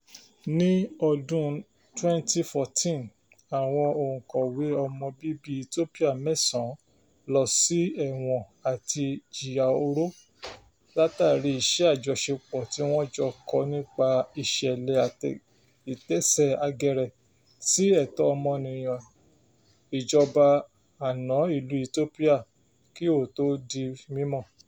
Ní ọdún 2014, àwọn òǹkọ̀wé ọmọ bíbí Ethiopia mẹ́sàn-án lọ sí ẹ̀wọ̀n àti jìyà oró látàrí iṣẹ́ àjọṣepọ̀ tí wọ́n jọ kọ nípa ìtẹsẹ̀ àgẹ̀rẹ̀ sí ẹ̀tọ́ ọmọ-ènìyàn ìjọba àná ìlú Ethiopia, kí òótọ́ ó di mímọ̀.